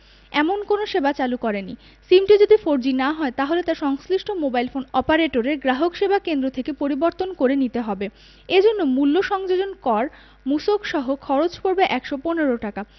এমন কোনো সেবা চালু করেনি সিমটি যদি ফোরজি না হয় তাহলে তা সংশ্লিষ্ট মোবাইল ফোন অপারেটরের গ্রাহকসেবা কেন্দ্র থেকে পরিবর্তন করে নিতে হবে এ জন্য মূল্য সংযোজন কর মূসক সহ খরচ পড়বে ১১৫ টাকা